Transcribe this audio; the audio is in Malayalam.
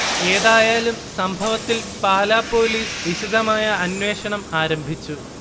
ഏതായാലും സംഭവത്തിൽ പാലാ പോലീസ് വിശദമായ അന്വേഷണം ആരംഭിച്ചു